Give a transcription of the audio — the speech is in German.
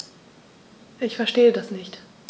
Ich verstehe das nicht.